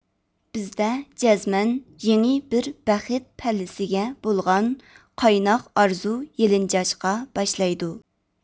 بىزدە جەزمەن يېڭى بىر بەخت پەللىسىگە بولغان قايناق ئارزۇ يېلىنجاشقا باشلايدۇ